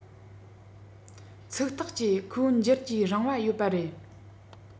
ཚིག ཐག བཅད ཁོས འགྱུར གྱིས རིང བ ཡོད པ རེད